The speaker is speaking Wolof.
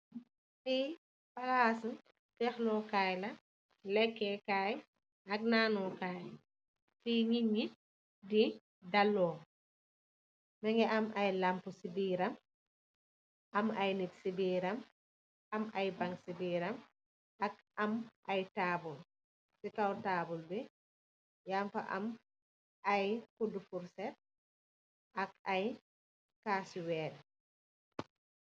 Fii palaasi feex lo kaay la, leekë KAAY ak naanee kaay. Fii nit ñi di daloo, mu ngi am ay lampa si biiram, ay nit ak ay bañ si biiram. Ak am ay taabul. Si kow taabul yi, yaañ fa am ay kudu furset, ak ay caasi weer.